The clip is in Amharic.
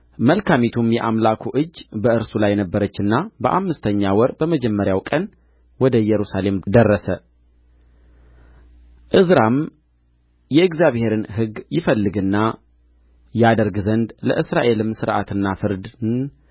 መልካሚቱም የአምላኩ እጅ በእርሱ ላይ ነበረችና በአምስተኛ ወር በመጀመሪያው ቀን ወደ ኢየሩሳሌም ደረሰ ዕዝራም የእግዚአብሔርን ሕግ ይፈልግና ያደርግ ዘንድ ለእስራኤልም ሥርዓትንና ፍርድን